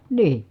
niin